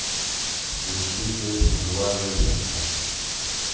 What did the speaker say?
включи песню льва лещенко